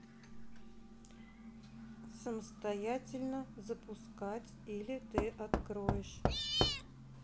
самостоятельно запускать или ты откроешь